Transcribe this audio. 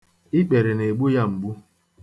Ikpere na-agbu ya mgbu.